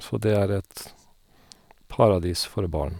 Så det er et paradis for barn.